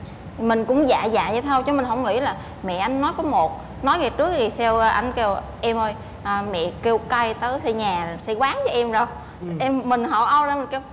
mình cũng dạ dạ dậy thôi chứ mình không nghĩ là mẹ anh nói có một nói ngày trước thì sau anh kêu em ơi mẹ kêu cai tới xây nhà xây quán cho em rồi em mình họ o ra mình kêu